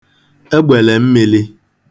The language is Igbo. egbèlè mmīlī